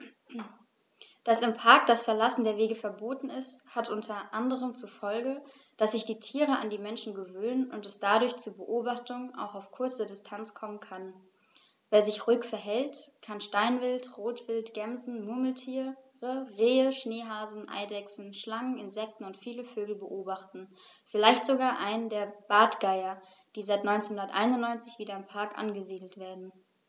Dass im Park das Verlassen der Wege verboten ist, hat unter anderem zur Folge, dass sich die Tiere an die Menschen gewöhnen und es dadurch zu Beobachtungen auch auf kurze Distanz kommen kann. Wer sich ruhig verhält, kann Steinwild, Rotwild, Gämsen, Murmeltiere, Rehe, Schneehasen, Eidechsen, Schlangen, Insekten und viele Vögel beobachten, vielleicht sogar einen der Bartgeier, die seit 1991 wieder im Park angesiedelt werden.